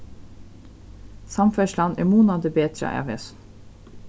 samferðslan er munandi betrað av hesum